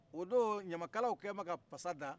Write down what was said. o don ɲamakalaw kɛlen bɛ pasa da